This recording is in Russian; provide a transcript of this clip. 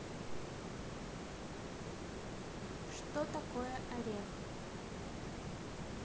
что такое орех